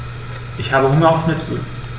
Ich habe Hunger auf Schnitzel.